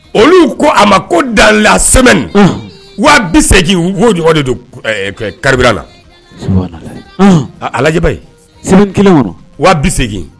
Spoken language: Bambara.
Olu ko a ma ko dala sɛin waaseji'o ɲɔgɔn de don karira la alaba ye sɛ kelensegin